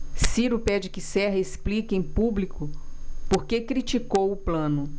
ciro pede que serra explique em público por que criticou plano